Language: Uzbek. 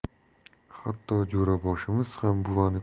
hatto jo'raboshimiz ham buvani